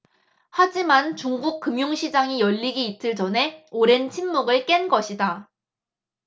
하지만 중국 금융시장이 열리기 이틀 전에 오랜 침묵을 깬 것이다